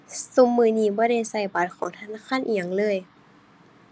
ซุมื้อนี้บ่ได้ใช้บัตรของธนาคารอิหยังเลย